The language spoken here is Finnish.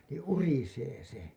niin urisee se